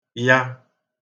ya